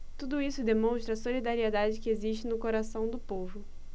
tudo isso demonstra a solidariedade que existe no coração do povo